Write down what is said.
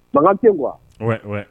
Pa tɛ kuwa